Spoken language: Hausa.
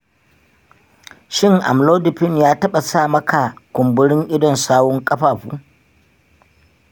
shin amlodipine ya taɓa sa maka kumburin idon sawun ƙafafu?